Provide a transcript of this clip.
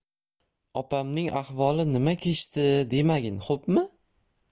opamning ahvoli nima kechdi demagin xo'pmi